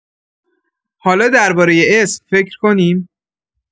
حالا دربارۀ اسم فکر کنیم؟